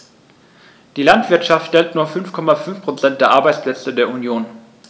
Die Landwirtschaft stellt nur 5,5 % der Arbeitsplätze der Union.